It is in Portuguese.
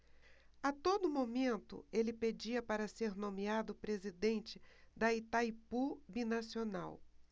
a todo momento ele pedia para ser nomeado presidente de itaipu binacional